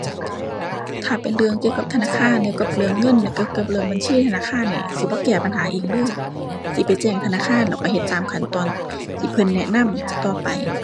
ถ้าเป็นเรื่องเกี่ยวกับธนาคาร เกี่ยวกับเรื่องเงิน เกี่ยวกับเรื่องบัญชีธนาคารนี่สิบ่แก้ปัญหาเองเลย สิไปแจ้งธนาคารแล้วก็เฮ็ดตามขั้นตอนที่เพิ่นแนะนำต่อไป